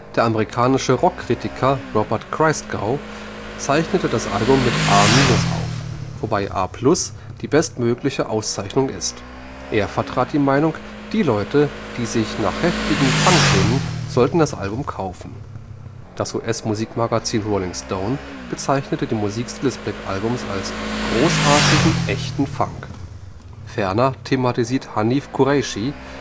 Der amerikanische Rock-Kritiker Robert Christgau zeichnete das Album mit A - aus, wobei A+ die bestmögliche Auszeichnung ist. Er vertat die Meinung, die Leute, „ die sich nach heftigem Funk sehnen “, sollten das Album kaufen. Das US-Musikmagazin Rolling Stone bezeichnete den Musikstil des Black Album als „ großartigen, echten Funk “. Ferner thematisiert Hanif Kureishi